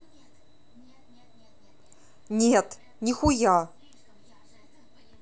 нет нихуя